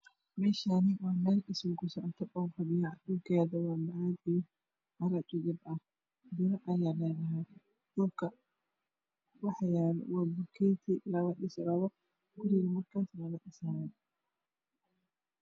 Meeshaan waa meel dhismo kusocoto dhulkeedu waa bacaad iyo carro jajab ah biro ayaa yaalo iyo bulukeeti ladhisirabo.